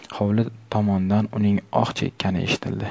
hovli tomondan uning oh chekkani eshitildi